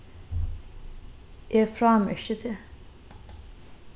eg frámerki teg